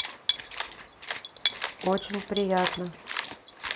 очень приятно